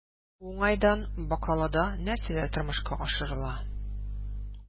Бу уңайдан Бакалыда нәрсәләр тормышка ашырыла?